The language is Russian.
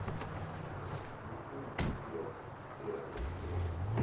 включи люцифер первая серия